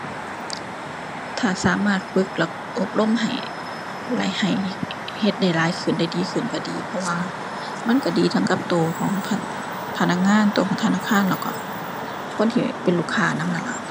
ถ้าสามารถฝึกแล้วอบรมให้ แล้วให้เฮ็ดได้หลายขึ้นได้ดีขึ้นก็ดี เพราะว่ามันก็ดีทั้งกับก็ของพะ พนักงาน ก็ของธนาคาร แล้วก็คนที่เป็นลูกค้านำนั่นล่ะ